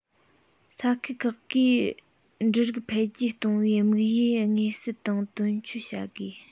ས ཁུལ ཁག གིས འབྲུ རིགས འཕེལ རྒྱས གཏོང བའི དམིགས ཡུལ ངེས གསལ དང དོན འཁྱོལ བྱ དགོས